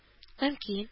Мөмкин